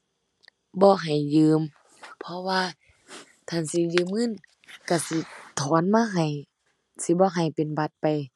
บ่ให้ยืม เพราะว่าถ้าสิยืมเงินก็สิถอนมาให้ สิบ่ให้เป็นบัตรไป